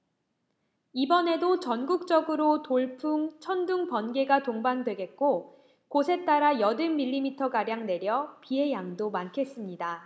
이번에도 전국적으로 돌풍 천둥 번개가 동반되겠고 곳에 따라 여든 밀리미터 가량 내려 비의 양도 많겠습니다